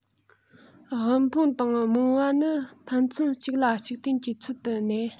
དབུལ ཕོངས དང རྨོངས བ ནི ཕན ཚུན གཅིག ལ གཅིག རྟེན གྱི ཚུལ དུ གནས